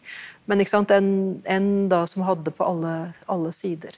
men ikke sant en en da som hadde på alle alle sider.